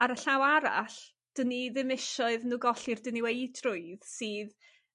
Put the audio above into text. Ar y llaw arall 'dyn ni ddim isio iddyn nw golli'r diniweidrwydd sydd